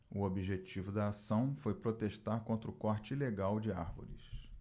o objetivo da ação foi protestar contra o corte ilegal de árvores